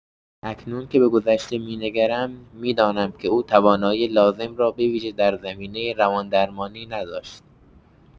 اکنون که به گذشته می‌نگرم، می‌دانم که او توانایی لازم را به‌ویژه در زمینه روان‌درمانی نداشت.